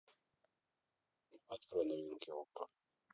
открой новинки окко